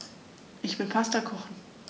Ich will Pasta kochen.